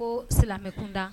Ko silamɛmɛ kunda